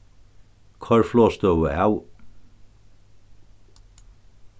koyr flogstøðu av